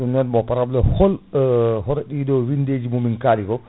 ɗum non mo pahol hoto ɗiɗo windeji mo min kaali o